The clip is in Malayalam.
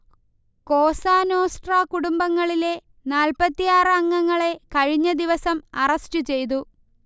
കോസാനോസ്ട്രാ കുടുംബങ്ങളിലെ നാല്പത്തിയാറ് അംഗങ്ങളെ കഴിഞ്ഞദിവസം അറസ്റ്റ് ചെയ്തു